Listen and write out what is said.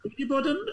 Dwi wedi bod yn-